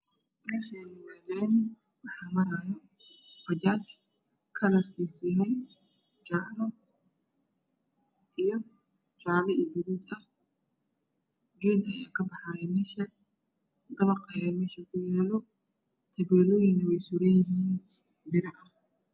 Meeshaan waa laami waxaa maraayo bajaaj kalarkiisu yahay jaalo iyo gaduud ah geed ayaa kabaxaayo meesha dabaqna uu kuyaalaa. Biro tabeelo ah ayaa suran.